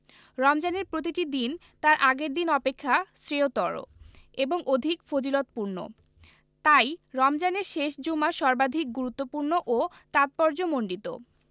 রমজানের প্রতিটি দিন তার আগের দিন অপেক্ষা শ্রেয়তর এবং অধিক ফজিলতপূর্ণ তাই রমজানের শেষ জুমা সর্বাধিক গুরুত্বপূর্ণ ও তাৎপর্যমণ্ডিত